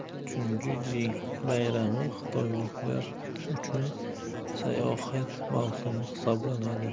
chunjiye bayrami xitoyliklar uchun sayohat mavsumi hisoblanadi